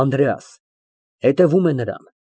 ԱՆԴՐԵԱՍ ֊ Հետևում է նրան։